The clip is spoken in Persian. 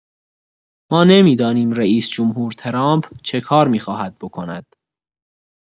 ما نمی‌دانیم رئیس‌جمهور ترامپ چه کار می‌خواهد بکند.